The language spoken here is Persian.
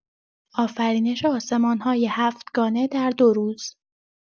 آفرینش آسمان‌های هفت‌گانه در ۲ روز!